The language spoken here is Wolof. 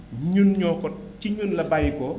ñun ñoo ko si ñun la bàyyikoo